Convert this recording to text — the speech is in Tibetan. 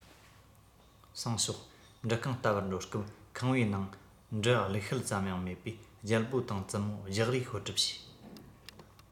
སང ཞོགས འབྲུ ཁང བལྟ བར འགྲོ སྐབས ཁང པའི ནང འབྲུ བླུགས ཤུལ ཙམ ཡང མེད པས རྒྱལ པོ དང བཙུན མོ རྒྱག རེས ཤོར གྲབས བྱས